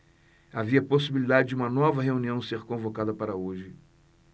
havia possibilidade de uma nova reunião ser convocada para hoje